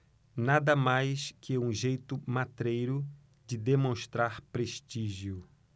nada mais que um jeito matreiro de demonstrar prestígio